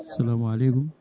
salamu aleykum